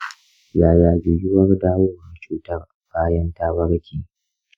yaya yuwuwar dawowar cutar bayan ta warke?